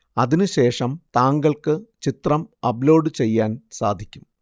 അതിനുശേഷം താങ്കള്‍ക്ക് ചിത്രം അപ്ലോഡ് ചെയ്യാന്‍ സാധിക്കും